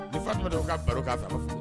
I fa tun ka balo k'a